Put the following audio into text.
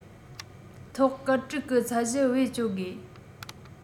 ཐོག སྐར དྲུག གི ཚད གཞི བེད སྤྱོད དགོས